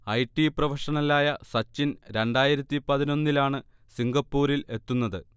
I. T പ്രൊഫഷണലായ സച്ചിൻ രണ്ടായിരത്തി പതിനൊന്നിലാണ് സിംഗപ്പൂരിൽ എത്തുന്നത്